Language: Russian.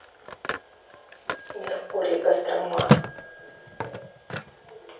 меркурий гастроман